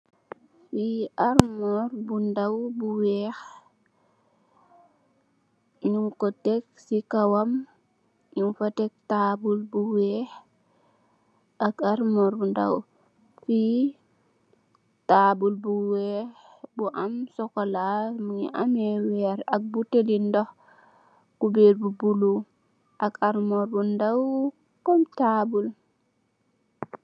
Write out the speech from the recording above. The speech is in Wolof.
Li almuwar bu ndaw bu weex nyun ko tek si kawam nyun fa tek tabul bu weex ak almur bu ndaw fi tabul bu weex bo am cxocola la ak botali ndox cuber bu bulu ak almorr bu ndaw kom tabul.